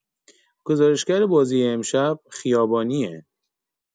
گزارشگر بازی امشب خیابانیه